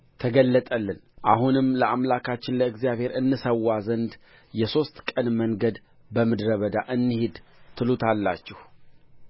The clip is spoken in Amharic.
ተገለጠልን አሁንም ለአምላካችን ለእግዚአብሔር እንሠዋ ዘንድ የሦስት ቀን መንገድ በምድረ በዳ እንሂድ ትሉታላችሁ